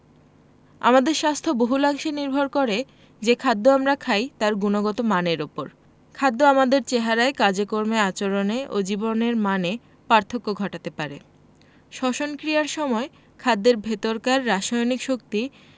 আমাদের স্বাস্থ্য বহুলাংশে নির্ভর করে যে খাদ্য আমরা খাই তার গুণগত মানের ওপর খাদ্য আমাদের চেহারায় কাজকর্মে আচরণে ও জীবনের মানে পার্থক্য ঘটাতে পারে শ্বসন ক্রিয়ার সময় খাদ্যের ভেতরকার রাসায়নিক শক্তি